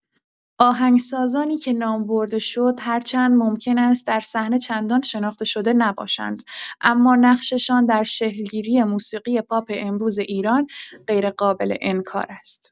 آهنگسازانی که نام برده شد، هرچند ممکن است در صحنه چندان شناخته‌شده نباشند، اما نقششان در شکل‌گیری موسیقی پاپ امروز ایران غیرقابل‌انکار است.